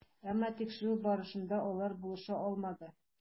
Әмма тикшерү барышына алар булыша алмады.